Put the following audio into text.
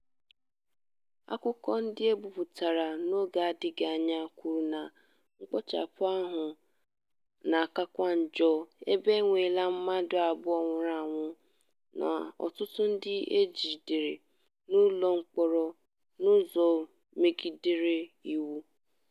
Akụkọ ndị e bipụtara n'oge n'adịbeghị anya kwuru na mkpochapụ ahụ na-akawanye njọ, ebe e enweela mmadụ abụọ nwụrụ anwụ na ọtụtụ ndị e jidere n'ụlọ mkpọrọ n'ụzọ megidere iwu.